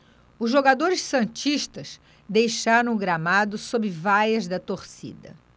os jogadores santistas deixaram o gramado sob vaias da torcida